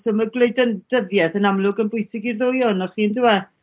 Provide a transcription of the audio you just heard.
so ma'r gwleidyn- dyddieth yn amlwg yn bwysig i'r ddwy o'onnoch chi on'd yw e?